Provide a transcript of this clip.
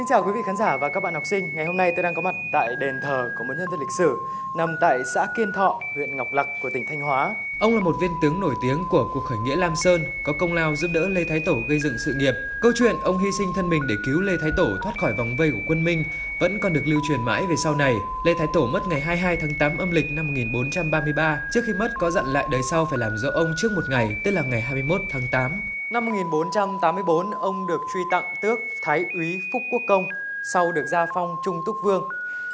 chào quý vị khán giả và các bạn học sinh ngày hôm nay tôi đang có mặt tại đền thờ của một nhân vật lịch sử nằm tại xã kiên thọ huyện ngọc lặc tỉnh thanh hóa ông là một viên tướng nổi tiếng của cuộc khởi nghĩa lam sơn có công lao giúp đỡ lê thái tổ gây dựng sự nghiệp câu chuyện ông hy sinh thân mình để cứu lê thái tổ thoát khỏi vòng vây của quân minh vẫn còn được lưu truyền mãi về sau này lê thái tổ mất ngày hai hai tháng tám âm lịch năm một nghìn bốn trăm ba mươi ba trước khi mất có dặn lại đời sau phải làm dỗ ông trước một ngày tức là ngày hai mươi mốt tháng tám năm một nghìn bốn trăm tám mươi bốn ông được truy tặng tước thái úy phúc quốc công sau được gia phong trung túc vương